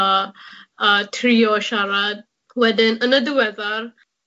a a trio siarad wedyn. Yn y ddiweddar,